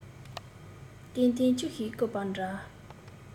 གཏན གཏན ཅི ཞིག བརྐུས པ འདྲ